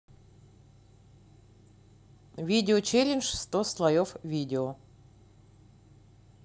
видео челлендж сто слоев видео